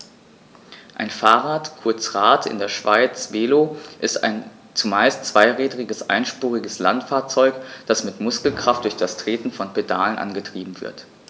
Ein Fahrrad, kurz Rad, in der Schweiz Velo, ist ein zumeist zweirädriges einspuriges Landfahrzeug, das mit Muskelkraft durch das Treten von Pedalen angetrieben wird.